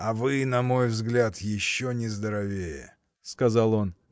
— А вы на мой взгляд еще нездоровее! — сказал он.